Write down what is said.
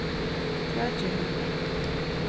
takið hana